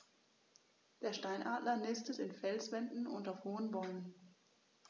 Der Steinadler nistet in Felswänden und auf hohen Bäumen.